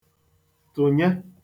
tụ̀nye